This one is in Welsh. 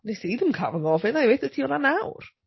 Wnes i ddim cael fy ngofyn. Wna i weud hynna wrtho ti nawr.